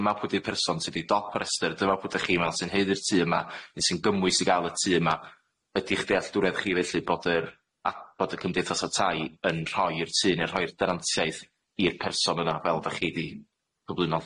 dyma pw' di'r person sy di dop y restyr dyma pw' dych chi me'wl sy'n heuddi'r tŷ yma ne' sy'n gymwys i ga'l y tŷ yma ydi'ch dealltwriedd chi felly bod yr bod y cymdeithasa tai yn rhoi'r tŷ ne' rhoi'r denantiaeth i'r person yna fel ddach chi di cyflwyno